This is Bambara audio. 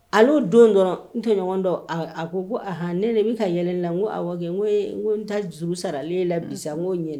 Ale don dɔrɔn n tɔ ɲɔgɔn dɔn a a ko ko ah ne de bɛ ka yɛlɛ la n ko wa n ko n ko n taa juru sara ale ye la bisa n'o yɛlɛ